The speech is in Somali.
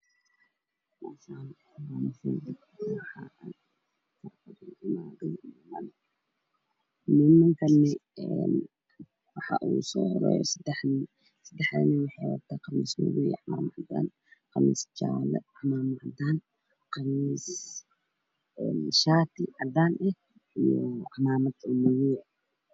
Waxa usoo horeeya sadex nin sadexdaa nin waxay wataan khamiis jaala ah ama cadaam ah shaati cadaan ah iyo cumamad madaw ah